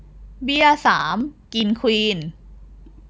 เบี้ยสามกินควีน